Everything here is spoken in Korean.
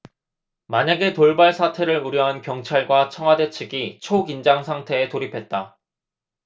만약의 돌발 사태를 우려한 경찰과 청와대 측이 초긴장상태에 돌입했다